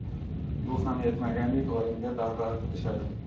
bu ham yetmagandek oyimga dag'dag'a qilishadi